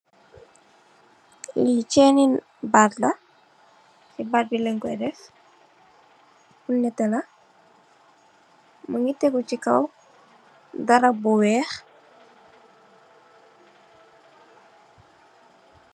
Lii cheni bagla si bagbi lenko deff bu netteh la mungi tegu si kaw Dara bu wekh.